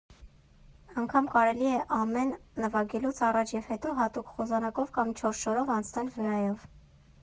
Անգամ կարելի է ամեն նվագելուց առաջ և հետո հատուկ խոզանակով կամ չոր շորով անցնել վրայով։